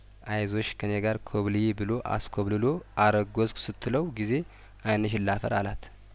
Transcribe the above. አይዞሽ ከኔ ጋር ኮብልዪ ብሎ አስኮብልሎ አረገዝኩ ስትለው ጊዜ አይንሽን ላፈር አላት